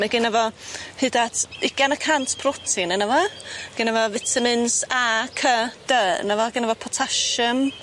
Mae gynno fo hyd at ugian y cant protein yno fo gynno fo vitamins a cy dy yno fo gynno fo potasiwm